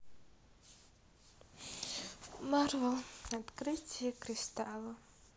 марвел открытие кристалла